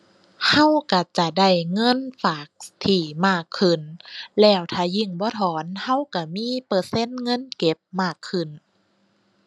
เราเราจะได้เงินฝาก ที่มากขึ้น แล้วถ้ายิ่งบ่ถอนเราเรามีเปอร์เซ็นต์เงินเก็บมากขึ้น